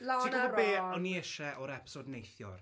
Lon a Ron... Ti gwybod be o'n i isie o'r episode neithiwr?